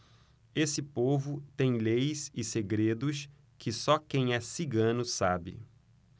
esse povo tem leis e segredos que só quem é cigano sabe